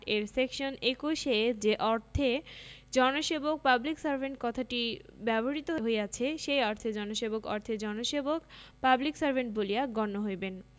এর সেকশন ২১ এ যে অর্থে জনসেবক পাবলিক সার্ভেন্ট কথাটি ব্যবহৃত হইয়াছে সেই অর্থে জনসেবক অর্থে জনসেবক পাবলিক সার্ভেন্ট বলিয়া গণ্য হইবেন